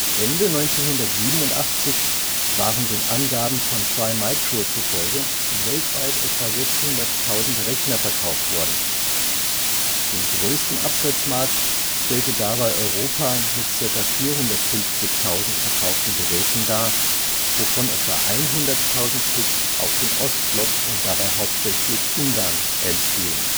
Ende 1987 waren den Angaben von Tri-Micro zufolge weltweit etwa 600.000 Rechner verkauft worden. Den größten Absatzmarkt stellte dabei Europa mit circa 450.000 verkauften Geräten dar, wovon etwa 100.000 Stück auf den Ostblock und dabei hauptsächlich Ungarn entfielen